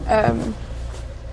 Yym.